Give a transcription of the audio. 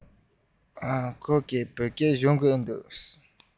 ཁོས བོད སྐད སྦྱོང གི འདུག གས